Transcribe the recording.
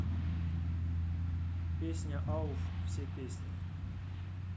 песня ауф все песни